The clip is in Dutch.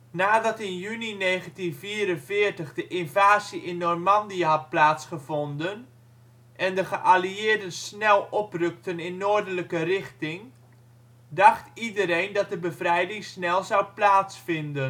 Nadat in juni 1944 de invasie in Normandië had plaatsgevonden en de geallieerden snel oprukten in Noordelijke richting, dacht iedereen dat de bevrijding snel zou plaatsvinden. Het